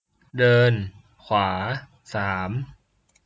เดินขวาสาม